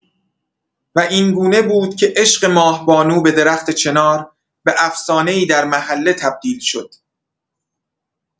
و این گونه بود که عشق ماه‌بانو به درخت چنار، به افسانه‌ای در محله تبدیل شد.